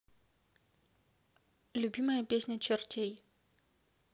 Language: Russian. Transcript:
любимая песня чертей